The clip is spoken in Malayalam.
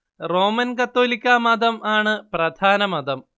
റോമന്‍ കത്തോലിക്കാ മതം ആണ് പ്രധാന മതം